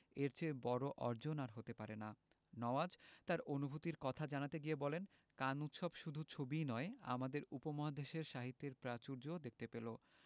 এর চেয়ে বড় অর্জন আর হতে পারে না নওয়াজ তার অনুভূতির কথা জানাতে গিয়ে বলেন কান উৎসব শুধু ছবিই নয় আমাদের উপমহাদেশের সাহিত্যের প্রাচুর্যও দেখতে পেল